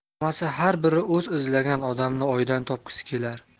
chamasi har biri o'zi izlagan odamni oydan topgisi kelar